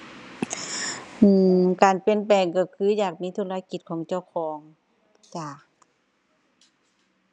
อือ การเปลี่ยนแปลงก็คืออยากมีธุรกิจของเจ้าของจ้ะ